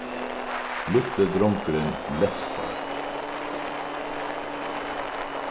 lítli drongurin lespar